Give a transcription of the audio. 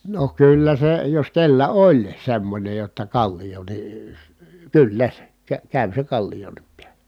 no kyllä se jos kenellä oli semmoinen jotta kallio niin - kyllä - kävi se kallionkin päällä